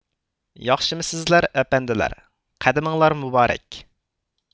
ياخشىمىسىزلەر ئەپەندىلەر قەدىمىڭلار مۇبارەك